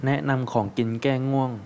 แนะนำของกินแก้ง่วง